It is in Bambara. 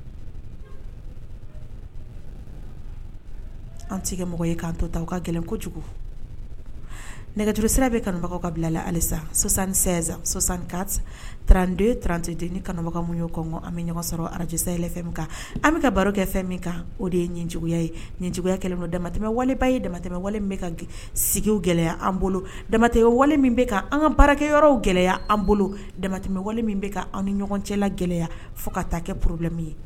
An mɔgɔ to ka gɛlɛn nɛgɛuru sira bɛ kanubaga ka bilala alisasansansan trando trante ni kanubaga minnu ye an bɛ ɲɔgɔn sɔrɔ arajsa kan an bɛ ka baro kɛ fɛn min kan o de ye ɲjuguya ye ɲjuguya don damatɛmɛwaleba ye damatɛ sigi gɛlɛya an bolo damatɛ wale min bɛ an ka baarakɛ yɔrɔ gɛlɛya an bolo damatɛmɛ wale min bɛ an ni ɲɔgɔn cɛla gɛlɛya fo ka taa kɛ porobimi ye